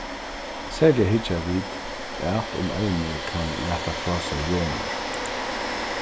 serliga hyggja vit at um evnið kann lata frá sær jonir